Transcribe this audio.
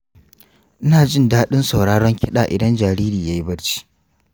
ina jin daɗin sauraron kiɗa idan jariri ya yi barci.